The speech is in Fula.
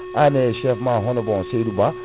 an e chef ma hono bon Saydou Ba